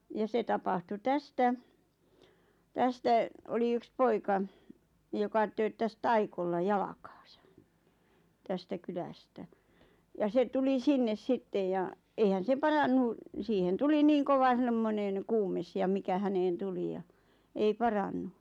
ja se tapahtui tästä tästä oli yksi poika joka tööttäsi talikolla jalkaansa tästä kylästä ja se tuli sinne sitten ja eihän se parantunut siihen tuli niin kova semmoinen kuume ja mikä häneen tuli ja ei parantunut